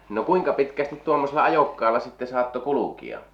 no kuinka pitkästi tuommoisella ajokkaalla sitten saattoi kulkea